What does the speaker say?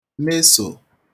mesò